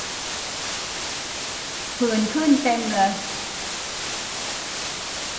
ผื่นขึ้นเต็มเลย